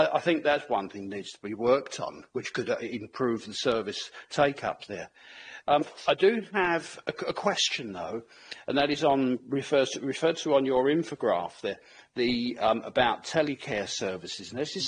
I I think that's one thing needs to be worked on which could uh i- improve the service take-up there yym I do have a c- a question though and that is on refers to referred to on your infograph there the yym about telecare services and this is